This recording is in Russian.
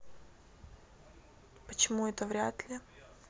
почему это вряд ли